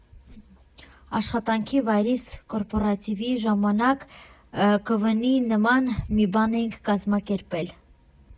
Աշխատանքի վայրիս կորպորատիվի ժամանակ ԿՎՆ֊ի նման մի բան էին կազմակերպել։